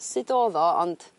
sud o'dd o ond